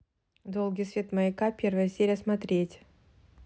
долгий свет маяка первая серия смотреть